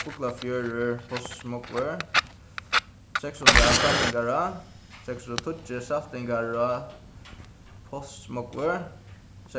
fuglafjørður seks hundrað saltangará seks hundrað og tíggju saltangará